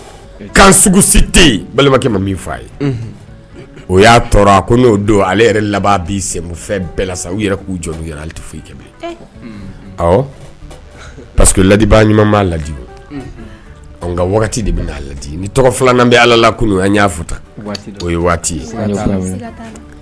K'an sugusi tɛ balimakɛ ma min fɔ a ye o y'a tɔɔrɔ n'o don ale yɛrɛ laban bɛ fɛn bɛɛ la sa u yɛrɛ k'u jɔ tɛ' kɛ ɔ pa ladiban ɲuman' ladi waati de bɛ'a laji ni tɔgɔ filanan bɛ ala la yan y'a o ye waati ye